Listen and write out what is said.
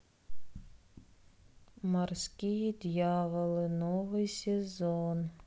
морские дьяволы новый сезон